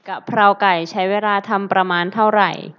กะเพราไก่ใช้เวลาทำประมาณเท่าไหร่